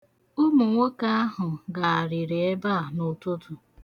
Ụmụ nwoke ahụ gagharịrị ebe a n'ụtụtụ.